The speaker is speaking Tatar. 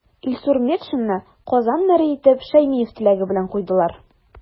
Илсур Метшинны Казан мэры итеп Шәймиев теләге белән куйдылар.